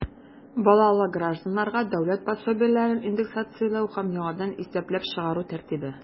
Балалы гражданнарга дәүләт пособиеләрен индексацияләү һәм яңадан исәпләп чыгару тәртибе.